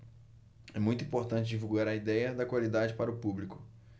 é muito importante divulgar a idéia da qualidade para o público